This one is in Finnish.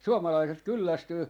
suomalaiset kyllästyy